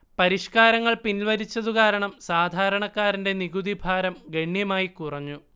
പരിഷ്കാരങ്ങൾ പിൻവലിച്ചതുകാരണം സാധാരണക്കാരന്റെ നികുതിഭാരം ഗണ്യമായി കുറഞ്ഞു